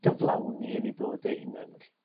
gyflawni yn 'u bywyd eu hunen felly.